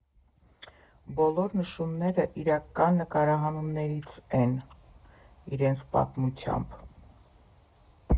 Բոլոր նմուշներն իրական նկարահանումներից են, իրենց պատմությամբ։